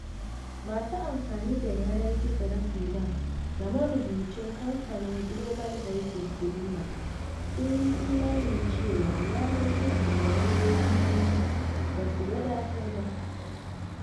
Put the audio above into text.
Masu amfani da yanar gizo na Sudan da marubucin Kamfanin Global Voices Drima sun yi imanin cewa, yanar gizo da wayoyin hannu ba su wadatar ba.